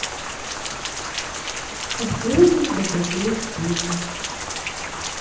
последний богатырь фильм